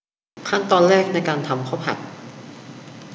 ขั้นตอนแรกในการทำข้าวผัด